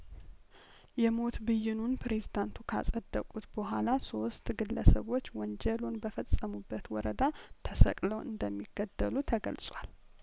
የሞት ብይኑን ፕሬዝዳንቱ ካጸደቁት በኋላ ሶስት ግለሰቦች ወንጀሉን በፈጸሙበት ወረዳ ተሰቅለው እንደሚገደሉ ተገልጿል